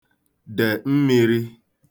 dè mmīrī